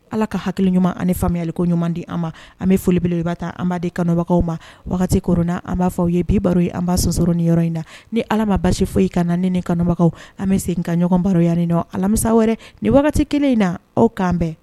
Ala ka hakili ɲuman ani faamuyayaliko ɲuman di an ma an bɛ folibeleba ta anba di kɔnɔbagaw ma wagati kɔnɔnana an b'a fɔ aw ye biba ye anba sɔsɔrɔ ni yɔrɔ in na ni ala ma basi foyi ka na ni ni kanubagaw an bɛ segin ka ɲɔgɔn baro yanni nɔ alamisa wɛrɛ ni wagati kelen in na aw k'an bɛn